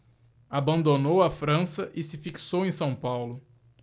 abandonou a frança e se fixou em são paulo